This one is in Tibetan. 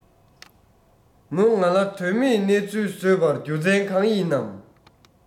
མོ ང ལ དོན མེད གནས ཚུལ ཟོས པར རྒྱུ མཚན གང ཡིན ནམ